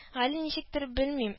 Гали ничектер, белмим